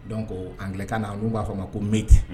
Dɔn ko ankan na olu b'a fɔ ma ko mji